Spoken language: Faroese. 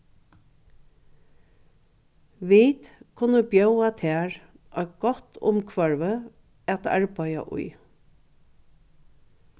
vit kunnu bjóða tær eitt gott umhvørvi at arbeiða í